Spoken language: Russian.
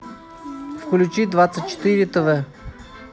включи двадцать четыре тв